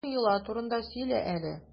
Шул йола турында сөйлә әле.